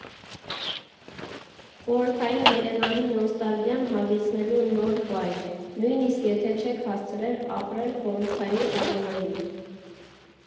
Խորհրդային Երևանի նոստալգիան հագեցնելու նոր վայր՝ նույնիսկ եթե չեք հասցրել ապրել խորհրդային տարիներին։